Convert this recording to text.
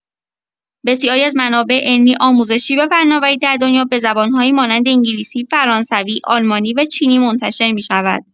بسیاری از منابع علمی، آموزشی و فناوری در دنیا به زبان‌هایی مانند انگلیسی، فرانسوی، آلمانی و چینی منتشر می‌شود.